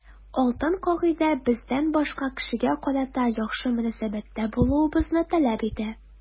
Алтын кагыйдә бездән башка кешегә карата яхшы мөнәсәбәттә булуыбызны таләп итә.